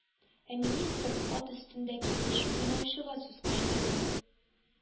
Ә министр, ат өстендә килеш, уйнаучыга сүз кушты, ди: